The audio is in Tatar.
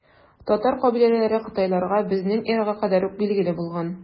Татар кабиләләре кытайларга безнең эрага кадәр үк билгеле булган.